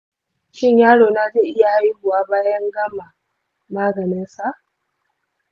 shin yarona zai iya haihuwa bayan gama maganinsa?